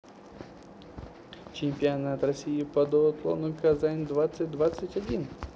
чемпионат россии по дуатлону казань двадцать двадцать один